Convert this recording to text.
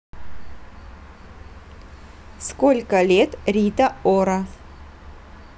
сколько лет rita ora